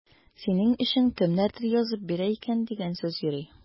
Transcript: Синең өчен кемнәрдер язып бирә икән дигән сүз йөри.